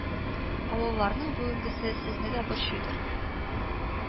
Авылларның бүгенгесе Сезне дә борчыйдыр